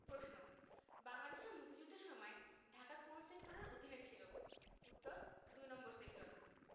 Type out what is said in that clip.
প্রশ্ন বাংলাদেশের মুক্তিযুদ্ধের সময় ঢাকা কোন সেক্টরের অধীনে ছিলো উত্তর দুই নম্বর সেক্টর